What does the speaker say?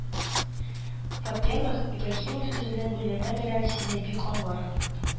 Во-первых, Ибраһимов үзенең үлеме белән сине бик авыр